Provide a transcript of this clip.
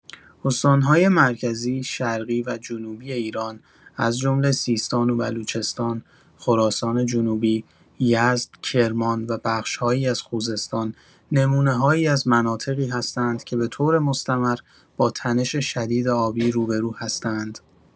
استان‌های مرکزی، شرقی و جنوبی ایران، از جمله سیستان و بلوچستان، خراسان‌جنوبی، یزد، کرمان و بخش‌هایی از خوزستان، نمونه‌هایی از مناطقی هستند که به‌طور مستمر با تنش شدید آبی روبه‌رو هستند.